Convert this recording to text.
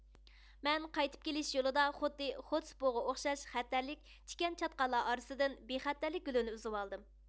مەن قايتىپ كېلىش يولىدا خۇددى خوتسپوغا ئوخشاش خەتەرلىك تىكەن چاتقاللار ئارىسىدىن بىخەتەرلىك گۈلىنى ئۈزۈۋالدىم